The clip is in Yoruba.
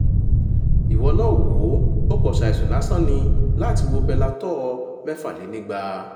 ìwọ náà wò ó, o kàn ṣàìsùn lásán ni láti wo Bellator 206.